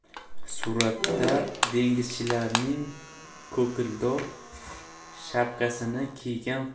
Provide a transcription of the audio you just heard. suratda dengizchilarning kokildor shapkasini kiygan